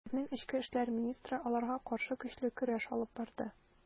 Безнең эчке эшләр министры аларга каршы көчле көрәш алып барды.